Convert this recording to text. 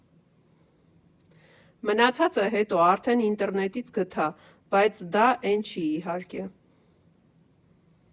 Մնացածը հետո արդեն ինտերնետից գտա, բայց դա էն չի, իհարկե։